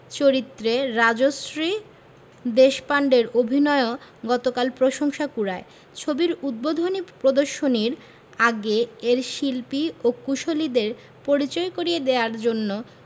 চরিত্রে রাজশ্রী দেশপান্ডের অভিনয়ও গতকাল প্রশংসা কুড়ায় ছবির উদ্বোধনী প্রদর্শনীর আগে এর শিল্পী ও কুশলীদের পরিচয় করিয়ে দেওয়ার জন্য